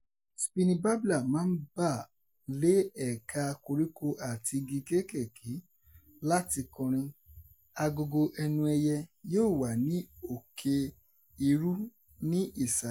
Spiny Babbler máa ń bà lé ẹ̀ka koríko àti igi kéékèèké láti kọrin, àgógó ẹnu ẹyẹ yóò wà ní òkè irú ní ìsàlẹ̀.